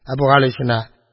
Әбүгалисина: